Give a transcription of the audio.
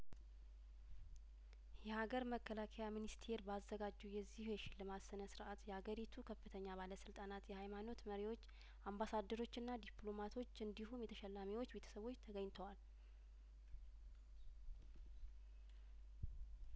የሀገር መከላከያ ሚኒስቴር ባዘጋጀው የዚሁ የሽልማት ስነ ስርአት የሀገሪቱ ከፍተኛ ባለስልጣናት የሀይማኖት መሪዎች አምባሳደሮችና ዲፕሎማቶች እንዲሁም የተሸላሚዎች ቤተሰቦች ተገኝተዋል